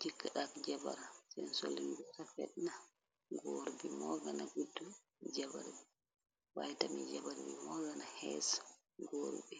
jëkk dak jabar seen solun bi rafetna góor bi moo gana bitu jabar bi waaye tami jabar bi moo gana xees góor bi